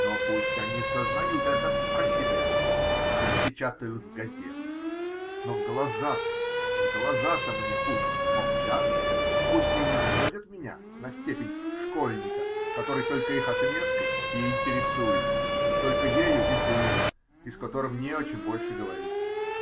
Но пусть они сознают это про себя, пусть печатают в газетах, но в глаза-то, в глаза-то мне пусть молчат, пусть не низводят меня на степень школьника, который только их отметкой и интересуется, только ею и жив и с которым не о чем больше говорить!